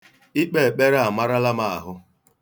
Ikpe ekpere amarala m ahụ.